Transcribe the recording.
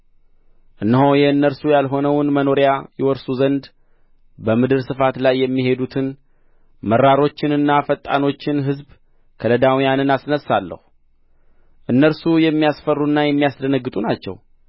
እነሆ የእነርሱ ያልሆነውን መኖሪያ ይወርሱ ዘንድ በምድር ስፋት ላይ የሚሄዱትን መራሮችንና ፈጣኖችን ሕዝብ ከለዳውያንን አስነሣለሁ እነርሱ የሚያስፈሩና የሚያስደነግጡ ናቸው